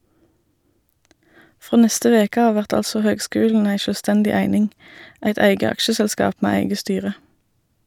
Frå neste veke av vert altså høgskulen ei sjølvstendig eining, eit eige aksjeselskap med eige styre.